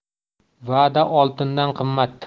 va'da oltindan qimmat